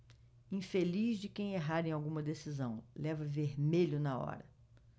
infeliz de quem errar em alguma decisão leva vermelho na hora